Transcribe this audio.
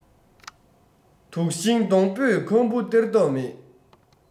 དུག ཤིང སྡོང པོས ཁམ བུ སྟེར མདོག མེད